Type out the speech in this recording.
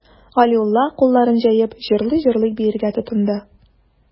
Галиулла, кулларын җәеп, җырлый-җырлый биергә тотынды.